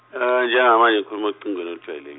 njengamanje ngikhuluma ocingweni olujwayele-.